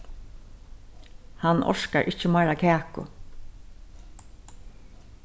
hann orkar ikki meira kaku